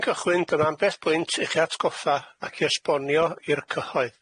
Cyn cychwyn dyma ambell bwynt i'ch atgoffa ac i esbonio i'r cyhoedd.